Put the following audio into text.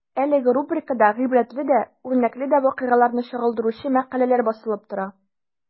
Әлеге рубрикада гыйбрәтле дә, үрнәкле дә вакыйгаларны чагылдыручы мәкаләләр басылып тора.